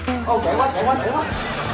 ô trễ quá trễ quá trễ quá